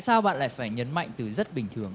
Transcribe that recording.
sao bạn lại phải nhấn mạnh từ rất bình thường